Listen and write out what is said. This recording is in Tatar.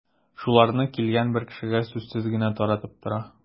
Шуларны килгән бер кешегә сүзсез генә таратып тора.